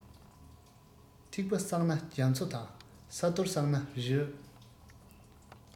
ཐིགས པ བསགས ན རྒྱ མཚོ དང ས རྡུལ བསགས ན རི རབ